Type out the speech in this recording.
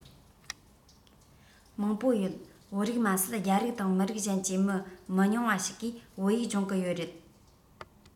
མང པོ ཡོད བོད རིགས མ ཟད རྒྱ རིགས དང མི རིགས གཞན གྱི མི མི ཉུང བ ཞིག གིས བོད ཡིག སྦྱོང གི ཡོད རེད